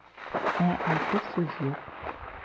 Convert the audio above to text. Ә әйтер сүз юк.